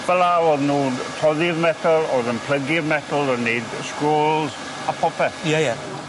Fel 'a o'dd nw'n toddi'r metel o'dd yn plygu'r metel o'n neud sgrols a popeth. Ie ie.